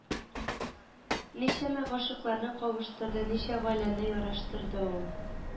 Ничәмә гашыйкларны кавыштырды ничә гаиләне яраштырды ул